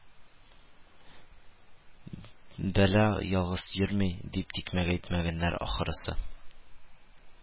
Бәла ялгыз йөрми, дип, тикмәгә әйтмәгәннәр, ахрысы